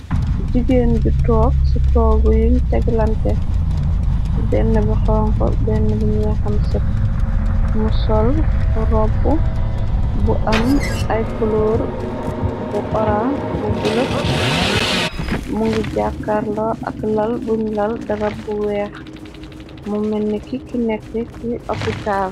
Jigéen ju toog ci toogu yuñ teg lante 1bi xonko 1 bi nyekam sub mu sol robb bu am ay kuloor bu horan bu bulo mu ngi jàakarloo ak lal buñ lal darab bu weex mu meni ki ki nekk ci opitaal.